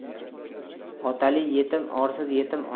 otali yetim orsiz yetim